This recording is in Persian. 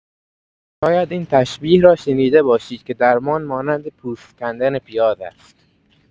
شاید این تشبیه را شنیده باشید که درمان مانند پوست کندن پیاز است.